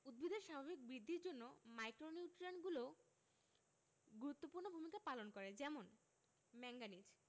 উদ্ভিদের স্বাভাবিক বৃদ্ধির জন্য মাইক্রোনিউট্রিয়েন্টগুলোও গুরুত্বপূর্ণ ভূমিকা পালন করে যেমন ম্যাংগানিজ